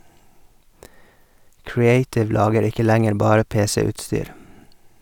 Creative lager ikke lenger bare pc-utstyr.